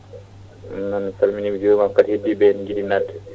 mi salmini mi jurimama kadi heddiɓe ne jiiɗi nadde